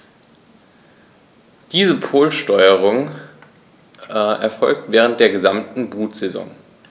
Diese Polsterung erfolgt während der gesamten Brutsaison.